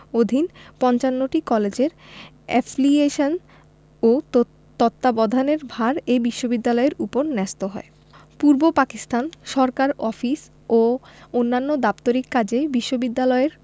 অধীন ৫৫টি কলেজের এফিলিয়েশন ও তত্ত্বাবধানের ভার এ বিশ্ববিদ্যালয়ের ওপর ন্যস্ত হয় পূর্ব পাকিস্তান সরকার অফিস ও অন্যান্য দাপ্তরিক কাজে বিশ্ববিদ্যালয়ের